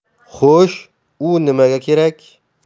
xo'sh u nimaga kerak